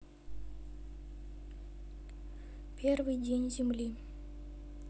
первый день земли